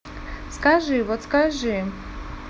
скажи вот скажи